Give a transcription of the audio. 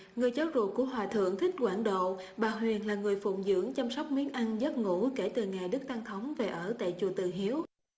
người cháu ruột của hòa thượng thích quảng độ bà huyền là người phụng dưỡng chăm sóc miếng ăn giấc ngủ kể từ ngày đức tăng thống về ở tại chùa từ hiếu